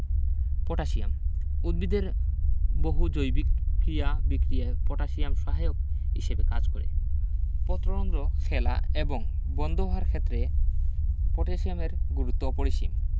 potassium উদ্ভিদের বহু জৈবিক ক্রিয়াবিক্রিয়ায় পটাশিয়াম সহায়ক হিসেবে কাজ করে পত্ররন্ধ্র খেলা এবং বন্ধ হওয়ার ক্ষেত্রে পটাশিয়ামের গুরুত্ব অপরিসীম